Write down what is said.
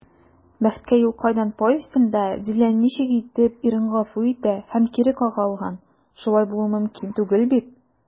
«бәхеткә юл кайдан» повестенда дилә ничек итеп ирен гафу итә һәм кире кага алган, шулай булуы мөмкин түгел бит?»